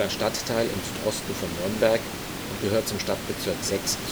Stadtteil im Südosten von Nürnberg und gehört zum Stadtbezirk 6